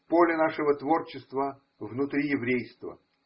Поле нашего творчества внутри еврейства.